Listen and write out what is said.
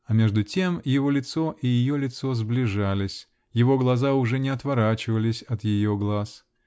а между тем его лицо и ее лицо сближались, его глаза уже не отворачивались от ее глаз.